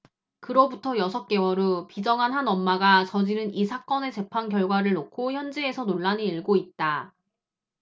그로부터 여섯 개월 후 비정한 한 엄마가 저지른 이 사건의 재판 결과를 놓고 현지에서 논란이 일고있다